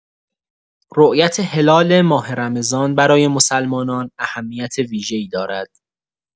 رؤیت هلال ماه رمضان برای مسلمانان اهمیت ویژه‌ای دارد.